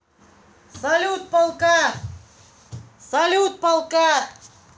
салют полка